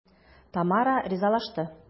Тамара ризалашты.